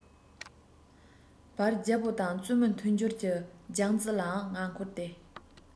བར རྒྱལ པོ དང བཙུན མོའི མཐུན སྦྱོར གྱི སྦྱར རྩི ལའང ང མཁོ སྟེ